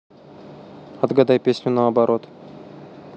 отгадай песню наоборот